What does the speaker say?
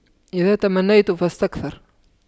إذا تمنيت فاستكثر